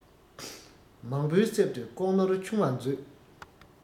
མང པོའི གསེབ ཏུ ལྐོག ནོར ཆུང བར མཛོད